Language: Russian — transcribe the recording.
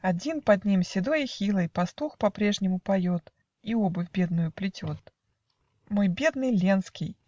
Один, под ним, седой и хилый Пастух по-прежнему поет И обувь бедную плетет. .. Мой бедный Ленский!